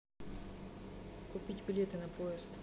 купить билеты на поезд